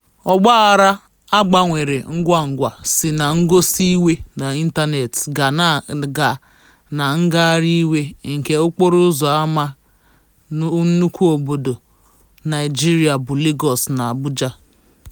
Ọgbaghara a gbanwere ngwa ngwa si na ngosi iwe n'ịntaneetị gaa na ngagharị iwe nke okporo ụzọ ama na nnukwu obodo Naịjirịa bụ Legọọsụ na Abuja.